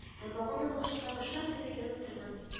Һәм багана башындагы шар кебек янып торган